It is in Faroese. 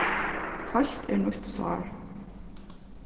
heilt er nýtt sár